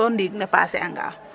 Soo ndiig ne passer anga.